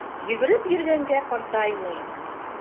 Йөгереп йөргәнгә картаймыйм!